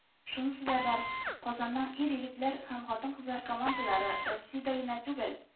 Шунысы да бар, Казанның ир-егетләр һәм хатын-кызлар командалары Россиядә генә түгел